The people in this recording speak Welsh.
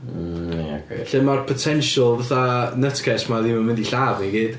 Hmm ia gwir... Lle ma'r potential fatha nutcase 'ma ddim yn mynd i lladd ni i gyd.